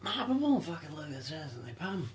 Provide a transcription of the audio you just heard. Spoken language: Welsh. Ma' pobl yn ffocin lyfio trêns yndi, pam?